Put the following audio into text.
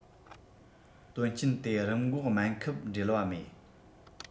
དོན རྐྱེན དེ རིམས འགོག སྨན ཁབ འབྲེལ བ མེད